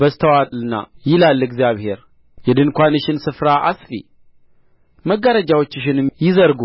በዝተዋልና ይላል እግዚአብሔር የድንኳንሽን ስፍራ አስፊ መጋረጃዎችሽንም ይዘርጉ